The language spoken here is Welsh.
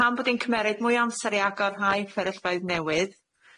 Pam bod 'i'n cymeryd mwy o amser i agorhau fferyllfeydd newydd?